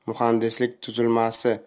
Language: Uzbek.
muhandislik tuzilmasi